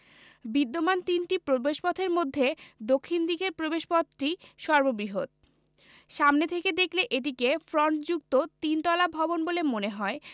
বিদ্যমান তিনটি প্রবেশপথের মধ্যে দক্ষিণ দিকের প্রবেশপথটি সর্ববৃহৎ সামনে থেকে দেখলে এটিকে ফ্রন্টনযুক্ত তিন তলা ভবন বলে মনে হয়